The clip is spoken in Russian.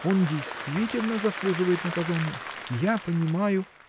Он действительно заслуживает наказания. Я понимаю.